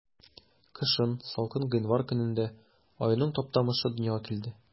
Кышын, салкын гыйнвар көнендә, аюның Таптамышы дөньяга килде.